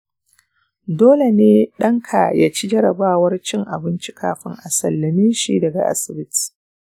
dole ne ɗanka ya ci jarrabawar cin abinci kafin a sallame shi daga asibiti.